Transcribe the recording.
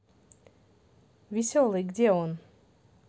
веселый где он